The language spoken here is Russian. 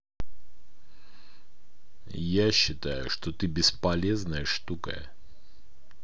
я считаю что ты бесполезная штука